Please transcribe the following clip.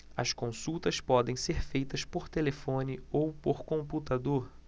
as consultas podem ser feitas por telefone ou por computador